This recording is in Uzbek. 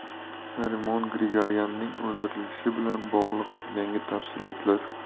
narimon grigoryanning o'ldirilishi bilan bog'liq yangi tafsilotlar